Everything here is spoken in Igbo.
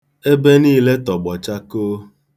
Ebe niile tọgbọ chakoo.